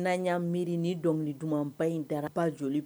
N'an y'a miiri ni don dumanba in daraba joli